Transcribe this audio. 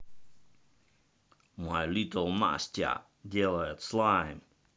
my little nastya делает слайм